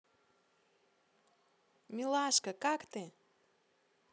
милашка как ты